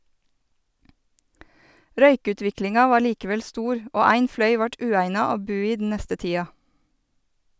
Røykutviklinga var likevel stor, og ein fløy vart ueigna å bu i den neste tida.